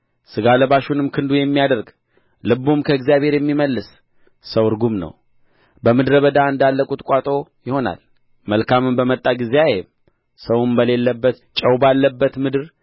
ሥጋ ለባሹንም ክንዱ የሚያደርግ ልቡም ከእግዚአብሔር የሚመለስ ሰው ርጉም ነው በምድረ በዳ እንዳለ ቍጥቋጦ ይሆናል መልካምም በመጣ ጊዜ አያይም ሰውም በሌለበት ጨው ባለበት ምድር